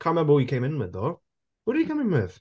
Can't remember who he came in with though. Who did he come in with?